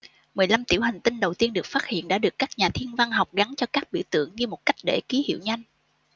mười lăm tiểu hành tinh đầu tiên được phát hiện đã được các nhà thiên văn học gắn cho các biểu tượng như một cách để ký hiệu nhanh